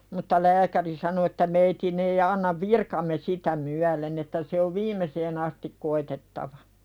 mutta lääkäri sanoi että meidän ei anna virkamme sitä myöden että se on viimeiseen asti koetettava